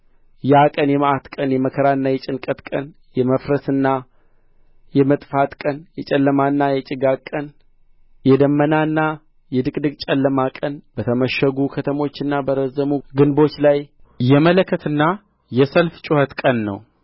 ያ ቀን የመዓት ቀን የመከራና የጭንቀት ቀን የመፍረስና የመጥፋት ቀን የጨለማና የጭጋግ ቀን የደመናና የድቅድቅ ጨለማ ቀን በተመሸጉ ከተሞችና በረዘሙ ግንቦች ላይ የመለከትና የሰልፍ ጩኸት ቀን ነው